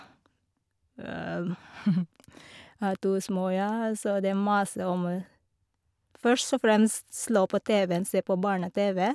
Har to små, ja, så dem maser om først og fremst slå på TV-en, se på barne-TV.